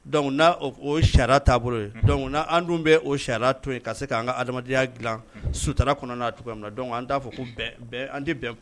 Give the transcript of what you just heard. Dɔnku n''o sariya taabolo ye dɔnku an dun bɛ o sariya to yen ka se k'an ka adamadamadenyaya dila suta kɔnɔna na tuguni min na an t'a fɔ ko bɛn bɛn an tɛ bɛn